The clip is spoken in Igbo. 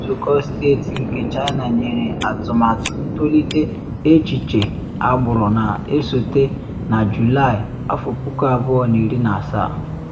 Nzụkọ Steeti nke China nyere Atụmatụ Ntolite Amamịghe Echiche Agbụrụ Na Esote na Julaị 2017.